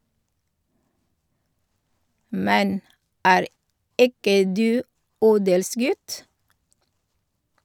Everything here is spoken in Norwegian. - Men er ikke du odelsgutt?